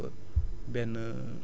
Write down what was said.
li gën mooy bu déwénee